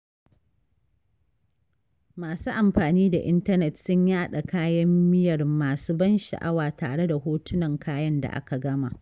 Masu amfani da intanet sun yaɗa kayan miya masu ban sha'awa tare da hotunan kayan da aka gama.